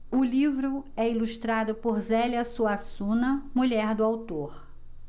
o livro é ilustrado por zélia suassuna mulher do autor